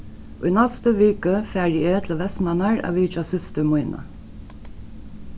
í næstu viku fari eg til vestmannar at vitja systur mína